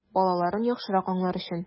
Балаларын яхшырак аңлар өчен!